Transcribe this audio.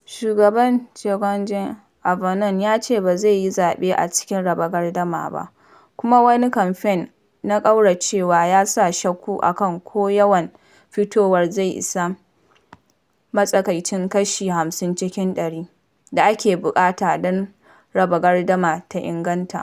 Shugaba Gjorge Ivanov ya ce ba zai yi zaɓe a cikin raba gardamar ba kuma wani kamfe na ƙauracewa ya sa shakku a kan ko yawan fitowar zai isa matsaikacin kashi 50 cikin ɗari da ake buƙata don raba gardamar ta inganta.